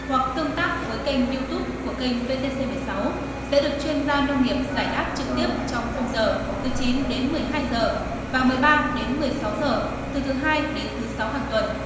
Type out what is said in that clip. hoặc tương tác với kênh diu túp của kênh vê tê xê mười sáu sẽ được chuyên gia nông nghiệp giải đáp trực tiếp trong khung giờ từ chín đến mười hai giờ và mười ba đến mười sáu giờ từ thứ hai đến thứ sáu hàng tuần